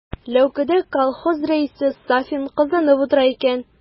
Ләүкәдә колхоз рәисе Сафин кызынып утыра икән.